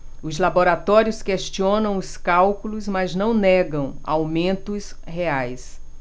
os laboratórios questionam os cálculos mas não negam aumentos reais